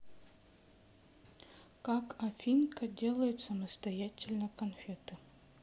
как афинка делает самостоятельно конфеты